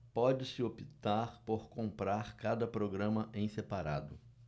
pode-se optar por comprar cada programa em separado